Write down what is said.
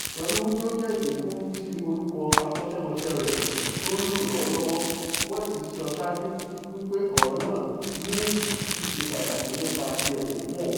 Pẹ̀lú wí pé ó jẹ́ ìkékúrú ti orúkọ akọ́ṣẹ́mọṣẹ́ rẹ̀ tó ńlò lọ́wọ́lọ́wọ́, West ti sọ saájú wí pé ọ̀rọ̀ náà ní ìṣepàtàkì nípa ti ẹsìn fún òun